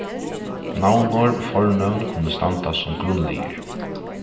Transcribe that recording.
navnorð og fornøvn kunnu standa sum grundliðir